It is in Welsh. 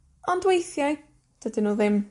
Ond weithiau, dydyn nw ddim.